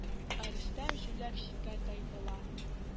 Ә рөстәм җүләр читкә тайпыла